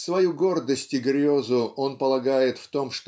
Свою гордость и грезу он полагает в том